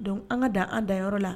Dɔn an ka dan an da yɔrɔ la